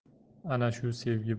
ana shu sevgi